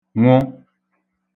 nwụ